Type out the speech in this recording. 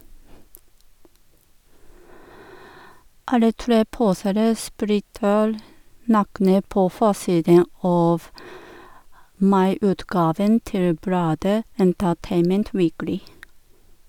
Alle tre poserer splitter nakne på forsiden av maiutgaven til bladet Entertainment Weekly.